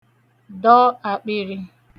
dọ ākpị̄rị̄